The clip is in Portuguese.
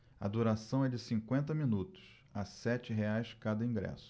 a duração é de cinquenta minutos a sete reais cada ingresso